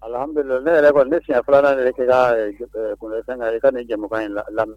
Ne yɛrɛ ne siɲɛ filanan yɛrɛ ka i ka nin jɛ in lamɛn